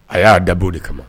A y'a dabo de kama